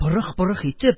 Пырых-пырых итеп,